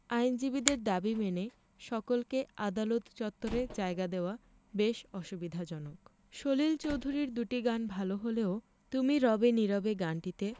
আইনজীবীদের দাবি মেনে সকলকে আদালত চত্বরে জায়গা দেওয়া বেশ অসুবিধাজনক সলিল চোধুরীর দুটি গান ভাল হলেও তুমি রবে নীরবে গানটিতে